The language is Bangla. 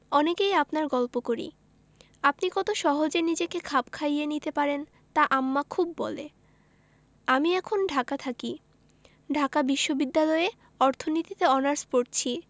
অনেককেই আপনার গল্প করি আপনি কত সহজে নিজেকে খাপ খাইয়ে নিতে পারেন তা আম্মা খুব বলে আমি এখন ঢাকা থাকি ঢাকা বিশ্ববিদ্যালয়ে অর্থনীতিতে অনার্স পরছি